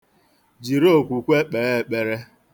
Jiri okwukwe kpee ekpere.